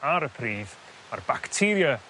ar y pridd a'r bacteria